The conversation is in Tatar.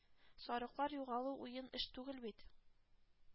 Сарыклар югалу уен эш түгел бит.